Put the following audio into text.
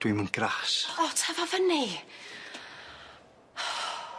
Dwi'm yn grass. O tyfa fyny.